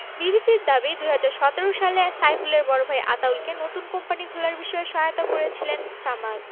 বিবিসির দাবি ২০১৭ সালে সাইফুলের বড় ভাই আতাউলকে নতুন কোম্পানি খোলার বিষয়ে সহায়তা করেছিলেন সামাদ